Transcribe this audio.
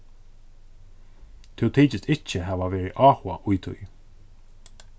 tú tykist ikki hava verið áhugað í tí